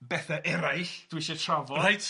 bethau eraill dwi isio 'i trafod... Reit